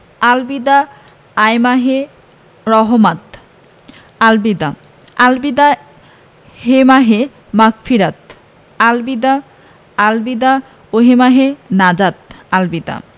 আল বিদা আয় মাহে রহমাত আল বিদা আল বিদা হে মাহে মাগফিরাত আল বিদা আল বিদা ওহঃ মাহে নাজাত আল বিদা